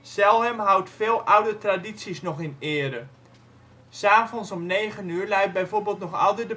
Zelhem houdt veel oude tradities nog in ere: ' s avonds om 21 uur luidt bijvoorbeeld nog altijd de